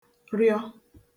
rịọ